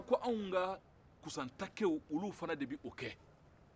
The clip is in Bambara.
anw ka kusantakew olu fana de bɛ o kɛ